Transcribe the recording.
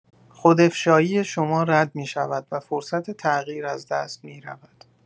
خودافشایی شما رد می‌شود و فرصت تغییر از دست می‌رود.